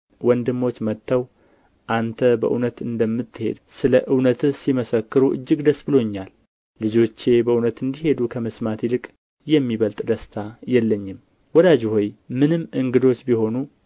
ወንድሞች መጥተው አንተ በእውነት እንደምትሄድ ስለ እውነትህ ሲመሰክሩ እጅግ ደስ ብሎኛልና ልጆቼ በእውነት እንዲሄዱ ከመስማት ይልቅ የሚበልጥ ደስታ የለኝም ወዳጅ ሆይ ምንም እንግዶች ቢሆኑ